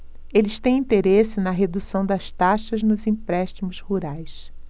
eles têm interesse na redução das taxas nos empréstimos rurais